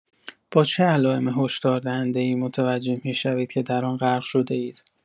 با چه علائم هشداردهنده‌ای متوجه می‌شوید که در آن غرق شده‌اید؟